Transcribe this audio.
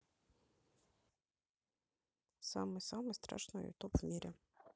самый самый страшный ютуб в мире